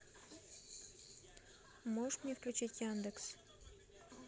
можешь мне включить яндекс